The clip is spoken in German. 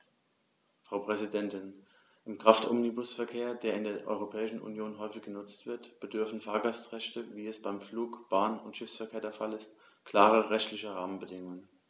Frau Präsidentin, im Kraftomnibusverkehr, der in der Europäischen Union häufig genutzt wird, bedürfen Fahrgastrechte, wie es beim Flug-, Bahn- und Schiffsverkehr der Fall ist, klarer rechtlicher Rahmenbedingungen.